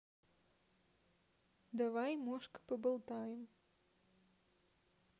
давай мошка поболтаем